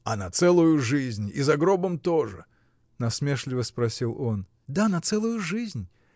— А на целую жизнь и за гробом тоже? — насмешливо спросил он. — Да, на целую жизнь!